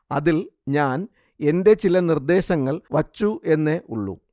അതില്‍ ഞാന്‍ എന്റെ ചില നിര്‍ദ്ദേശങ്ങള്‍ വച്ചു എന്നേ ഉള്ളൂ